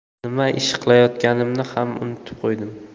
nima ish qilayotganimni ham unutib qo'ydim